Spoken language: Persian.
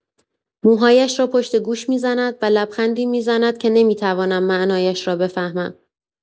موهایش را پشت گوش می‌زند و لبخندی می‌زند که نمی‌توانم معنایش را بفهمم.